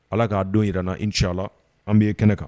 Ala k'a don jira na i cɛ la an' kɛnɛ kan